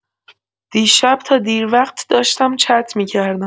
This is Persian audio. دیشب تا دیر وقت داشتم چت می‌کردم.